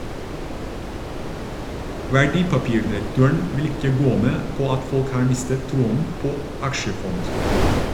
Verdipapirdirektøren vil ikke gå med på at folk har mistet troen på aksjefond.